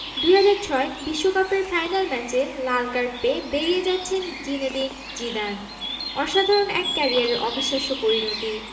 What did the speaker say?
২০০৬ বিশ্বকাপের ফাইনাল ম্যাচে লাল কার্ড পেয়ে বেরিয়ে যাচ্ছেন জিনেদিন জিদান অসাধারণ এক ক্যারিয়ারের অবিশ্বাস্য পরিণতি